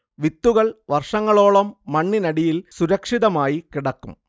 വിത്തുകൾ വർഷങ്ങളോളം മണ്ണിനടിയിൽ സുരക്ഷിതമായി കിടക്കും